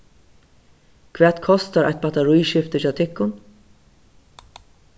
hvat kostar eitt battarískifti hjá tykkum